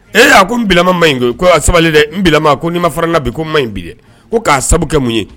Ee a ko n bilama ma ɲin koyi, ko sabali dɛ.N bilama ko n'i ma fara n na, ko ma ɲin bi dɔ, ko k'a sabu kɛ munu ye?